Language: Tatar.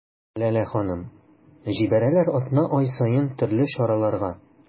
Ләлә ханым: җибәрәләр атна-ай саен төрле чараларга.